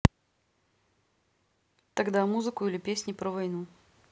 тогда музыку или песни про войну